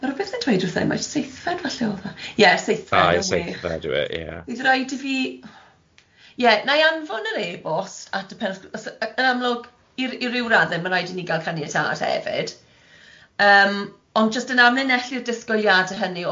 Ma' rwbeth yn dweud wrtha i, ma'r Seithfed falle oedd o. Ie, Seithfed. O y seithfed o'dd o ie. fydd rhaid i fi ie 'nai anfon yr ebost at y penwthnos y- yn amlwg i- i riw radde ma' raid i ni gal caniatad hefyd yym ond just yn amlinellu y disgwyliade hynny o ran ein cyfraniad